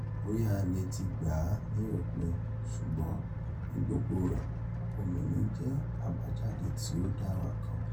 Bóyá a lè ti gbà á ní òpin ṣùgbọ́n, ní gbogbo rẹ̀, ọ̀mìnì jẹ́ àbájáde tí ó dára kan.